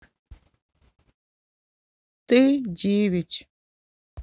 т девять